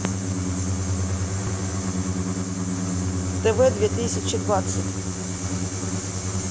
тв две тысячи двадцать